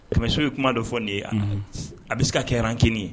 Kɛmɛso ye kuma dɔ fɔ nin de ye a bɛ se ka kɛran kelen ye